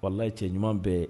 Walalahi cɛ ɲuman bɛɛ